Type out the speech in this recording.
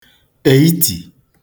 èitì